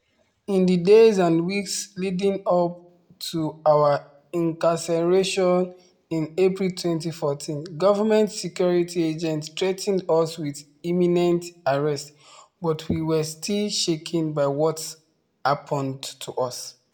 In the days and weeks leading up to our incarceration in April 2014, government security agents threatened us with imminent arrest, but we were still shaken by what happened to us.